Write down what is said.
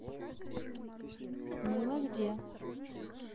мыло где